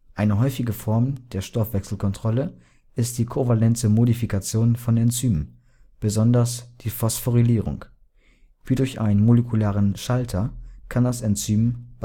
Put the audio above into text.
Eine häufige Form der Stoffwechselkontrolle ist die kovalente Modifikation von Enzymen, besonders die Phosphorylierung. Wie durch einen molekularen Schalter kann das Enzym